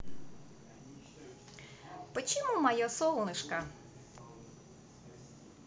почему мое солнышко